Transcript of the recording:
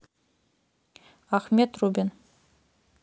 ахмат рубин